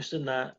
cwestiyna